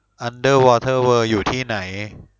อันเดอร์วอเตอร์เวิล์ดอยู่ที่ไหน